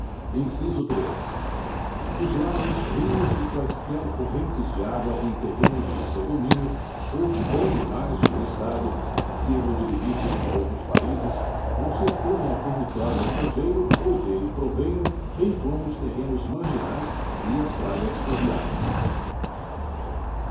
inciso três os lagos rios e quaisquer correntes de água em terrenos de seu domínio ou que banhem mais de um estado sirvam de limites com outros países ou se estendam a território estrangeiro ou dele provenham bem como os terrenos marginais e as praias fluviais